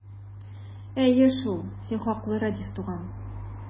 Әйе шул, син хаклы, Рәдиф туган!